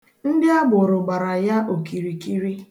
Ndị agboro gbara ya okirikiri